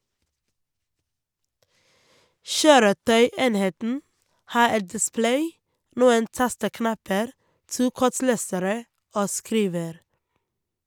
Kjøretøyenheten har et display, noen tasteknapper, to kortlesere og skriver.